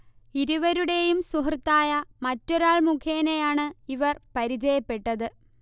ഇരുവരുടെയും സുഹൃത്തായ മറ്റൊരാൾ മുഖേനയാണ് ഇവർ പരിചയപ്പെട്ടത്